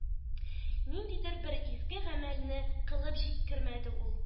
Ниндидер бер изге гамәлне кылып җиткермәде ул.